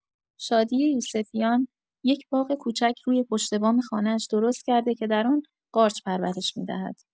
شادی یوسفیان، یک باغ کوچک روی پشت‌بام خانه‌اش درست کرده که در آن قارچ پرورش می‌دهد.